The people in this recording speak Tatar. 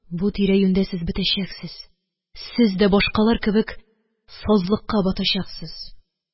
Бу тирә-юньдә сез бетәчәксез, сез дә башкалар кебек сазлыкка батачаксыз